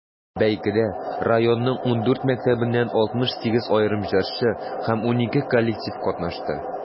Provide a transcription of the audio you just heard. Бәйгедә районның 14 мәктәбеннән 68 аерым җырчы һәм 12 коллектив катнашты.